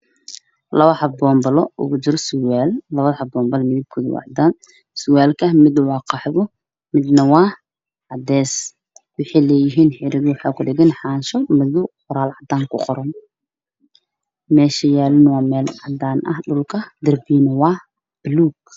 Labo xabo boombala ah ugu jira surwaal labada xabo boombalada midabkooda waa cadaan surwaalka midna waa qaxwo midna waa cadays waxay Leeyihiin xargo waxaa ku dhagan xaasho madow qoraal cadaan ku qoran meeshay yaalaana waa meel cadaan ah dhulka darbigana waa baluug.